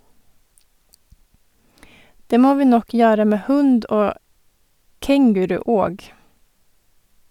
Det må vi nok gjøre med hund og kenguru og.